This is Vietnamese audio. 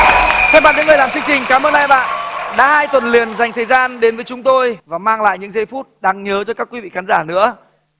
thay mặt những người làm chương trình cám ơn bạn đã hai tuần liên dành thời gian đến với chúng tôi và mang lại những giây phút đáng nhớ giữa các quý vị khán giả nữa